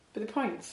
Be 'di point?